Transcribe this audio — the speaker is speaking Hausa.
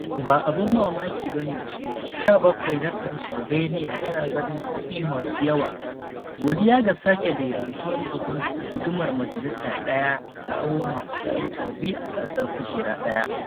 Ba abun mamaki bane cewa 17 na Pennsylvania yana ganin kuɗi masu yawa, godiya ga sake daidaituwar gundumar majalisa da ya kawo ga masu sarauta biyu a gasar kujera ɗaya.